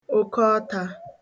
okeọtā